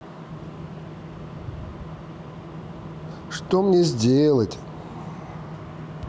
что мне сделать